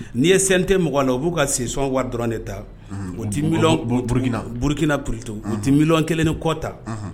N'i ye sen tɛ mɔgɔ la u b'u ka sinsɔn wa dɔrɔn de ta ourukina burukina ptu mil kelen ni kɔta